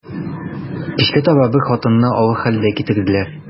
Кичкә таба бер хатынны авыр хәлдә китерделәр.